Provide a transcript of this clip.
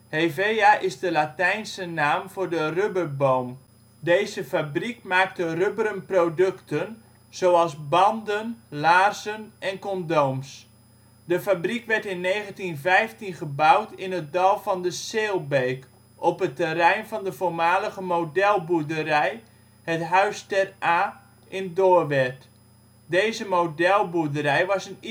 Hevea is de Latijnse naam voor de rubberboom (Hevea brasiliensis). Deze fabriek maakte rubberen producten, zoals banden, laarzen en condooms. De fabriek werd in 1915 gebouwd in het dal van de Seelbeek, op het terrein van de voormalige modelboerderij het Huis ter Aa in Doorwerth. Deze modelboerderij was